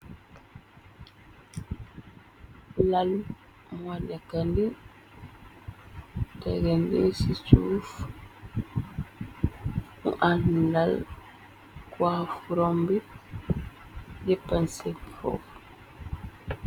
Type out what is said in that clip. Lal mo nekani tegandi ci suuf ku ànni lal koafurom bi jeppan se rof.